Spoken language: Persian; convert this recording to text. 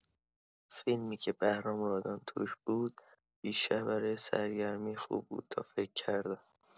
فیلمی که بهرام رادان توش بود، بیشتر برای سرگرمی خوب بود تا فکر کردن.